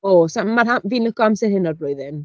Oes a m- mae'n rhan fi'n lico amser hyn o'r blwyddyn.